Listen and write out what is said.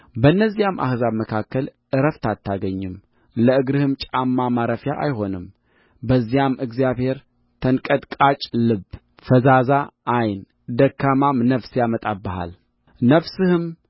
በእነዚያም አሕዛብ መካከል ዕረፍት አታገኝም ለእግርህም ጫማ ማረፊያ አይሆንም በዚያም እግዚአብሔር ተንቀጥቃጭ ልብ ፈዛዛ ዓይን ደካማም ነፍስ ያመጣብሃል ነፍስህም